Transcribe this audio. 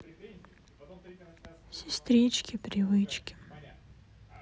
сестрички привычки